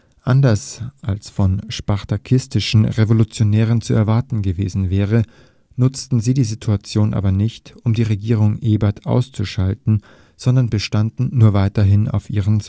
Anders als von spartakistischen Revolutionären zu erwarten gewesen wäre, nutzten sie die Situation aber nicht, um die Regierung Ebert auszuschalten, sondern bestanden nur weiterhin auf ihren